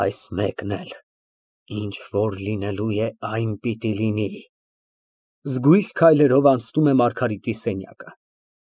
Այս մեկն էլ։ Ինչ որ լինելու է այն պիտի լինի։ (Զգույշ քայլերով անցնում է, Մարգարիտի սենյակը)։